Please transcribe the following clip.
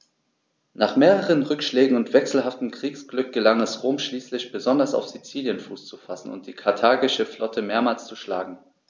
Nach mehreren Rückschlägen und wechselhaftem Kriegsglück gelang es Rom schließlich, besonders auf Sizilien Fuß zu fassen und die karthagische Flotte mehrmals zu schlagen.